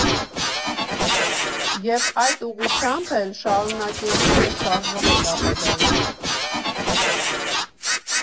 Եվ այդ ուղղությամբ էլ շարունակելու են շարժվել ապագայում.